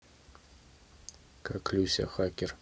как люся хакер